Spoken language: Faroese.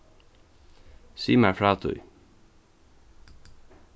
sig mær frá tí